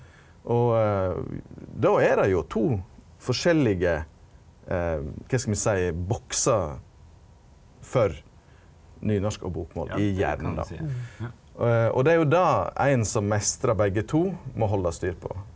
og då er det jo to forskjellige kva skal me seie boksar for nynorsk og bokmål i hjernen då og det er jo det ein som meistra begge to må halde styr på.